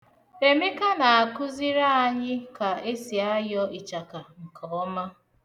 Emeka na-akụziri anyị ka esị ayọ ịchaka nke ọma.